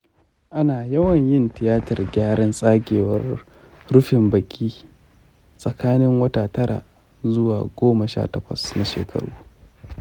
ana yawan yin tiyatar gyaran tsagewar rufin baki tsakanin wata tara zuwa goma sha takwas na shekaru.